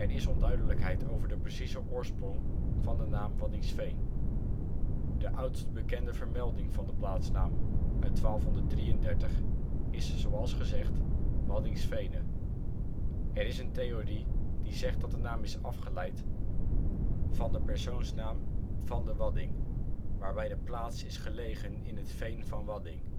is onduidelijkheid over de precieze oorsprong van de naam Waddinxveen. De oudst bekende vermelding van de plaatsnaam, uit 1233, is zoals gezegd ' Waddinxvene '. Er is een theorie die zegt dat de naam is afgeleid van de persoonsnaam ' (van de) Wadding ', waarbij de plaats is gelegen in het ' veen van Wadding